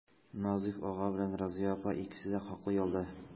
Назыйф ага белән Разыя апа икесе дә хаклы ялда.